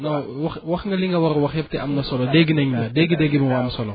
non wax wax nga li nga war a wax yépp te am na solo dégg nañ la dégg-dégg bi moo am solo